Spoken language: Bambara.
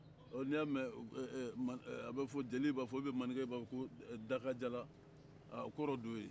ɔ n'i y'a mɛn ɛɛ a bɛ fɔ jeliw b'a fɔ oubien maninkaw b'a fɔ ko dakajala a kɔrɔ de y'o ye